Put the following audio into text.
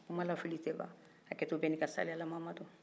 kuma la fili tɛ ban hakɛto bɛɛ salamamadu